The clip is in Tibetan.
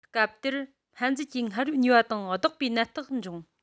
སྐབས དེར སྨན རྫས ཀྱི སྔར ཡོད ནུས པ དང ལྡོག པའི ནད རྟགས འབྱུང